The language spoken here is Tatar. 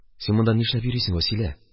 Син монда нишләп йөрисең, Вәсилә?